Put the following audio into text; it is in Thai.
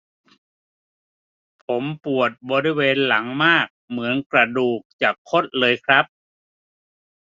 ผมปวดบริเวณหลังมากเหมือนกระดูกจะคดเลยครับ